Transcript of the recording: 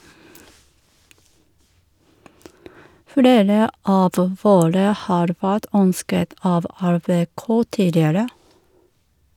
- Flere av våre har vært ønsket av RBK tidligere.